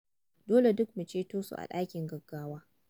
Dole duk mu ceto su a ɗakin gaggawa.